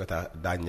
U bɛ taa da ɲɛ